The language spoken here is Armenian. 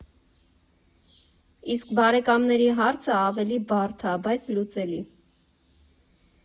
Իսկ բարեկամների հարցը ավելի բարդ ա, բայց՝ լուծելի…